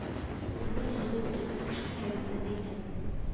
Минем сүзем түгел ишеткәнемне әйтәмен